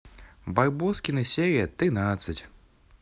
барбоскины серия тринадцать